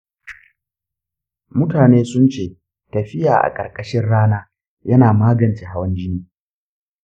mutane sun ce tafiya a ƙarƙashin rana yana magance hawan jini